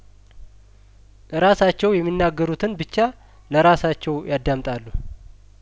ራሳቸው የሚናገሩትን ብቻ ለራሳቸው ያዳም ጣሉ